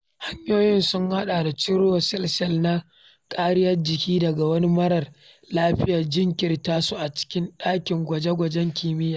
Hanyoyin sun haɗa da cirowa sel-sel na kariyar jikin daga wani marar lafiya, jirkita su a cikin ɗakin gwajin kimiyya